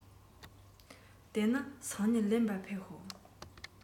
དེ ན སང ཉིན ལེན པར ཕེབས ཤོག